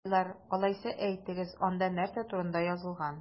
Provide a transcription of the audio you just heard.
Укыйлар! Алайса, әйтегез, анда нәрсә турында язылган?